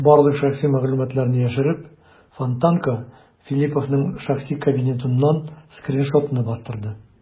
Барлык шәхси мәгълүматларны яшереп, "Фонтанка" Филипповның шәхси кабинетыннан скриншотны бастырды.